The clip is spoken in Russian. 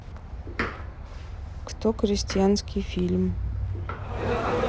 кто крестьянский фильм